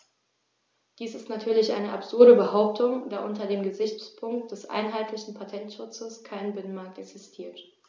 Dies ist natürlich eine absurde Behauptung, da unter dem Gesichtspunkt des einheitlichen Patentschutzes kein Binnenmarkt existiert.